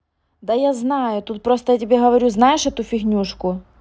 да я знаю тут я просто тебе говорю знаешь эту фигнюшку